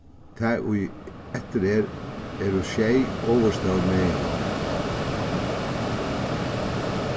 tað ið eftir er eru sjey ovurstór meginlond